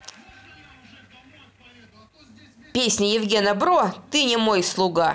песня евгена бро ты не мог мой слуга